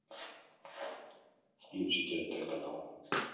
включить тнт канал